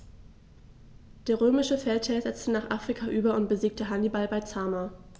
Der römische Feldherr setzte nach Afrika über und besiegte Hannibal bei Zama.